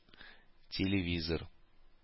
Телевизор